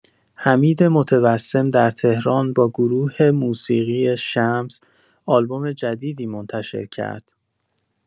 حمید متبسم در تهران با گروه موسیقی شمس آلبوم جدیدی منتشر کرد.